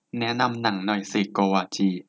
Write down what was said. แนะนำหนังหน่อยสิโกวาจี